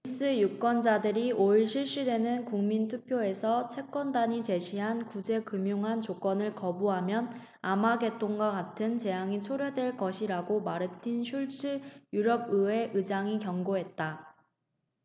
그리스 유권자들이 오 일 실시되는 국민투표에서 채권단이 제시한 구제금융안 조건을 거부하면 아마겟돈과 같은 재앙이 초래될 것이라고 마르틴 슐츠 유럽의회 의장이 경고했다